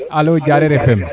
alo Diareer FM